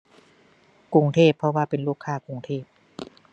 กรุงเทพเพราะว่าเป็นลูกค้ากรุงเทพ